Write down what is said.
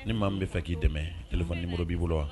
Ni maa b bɛa fɛ k'i dɛmɛ kalifa niuru b'i bolo wa